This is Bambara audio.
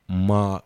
Ma